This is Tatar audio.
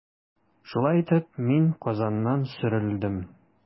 Шулай итеп, мин Казаннан сөрелдем.